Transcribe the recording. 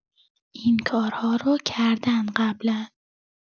این‌کارها رو کردن قبلا.